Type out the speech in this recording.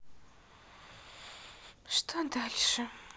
что дальше